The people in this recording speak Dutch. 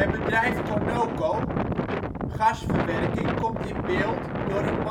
bedrijf Conoco (gasverwerking) komt in beeld door